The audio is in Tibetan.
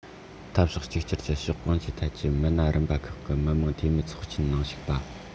འཐབ ཕྱོགས གཅིག གྱུར གྱི ཕྱོགས གང ཅིའི ཐད ཀྱི མི སྣ རིམ པ ཁག གི མི དམངས འཐུས མིའི ཚོགས ཆེན ནང ཞུགས པ